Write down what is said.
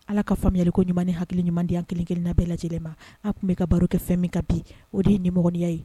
Ala k ka faamuya yeliko ɲuman hakili ɲumandenya an kelen- kelenina bɛɛ lajɛlen ma an tun bɛe ka baro kɛ fɛn min ka bi o de ye ni mya ye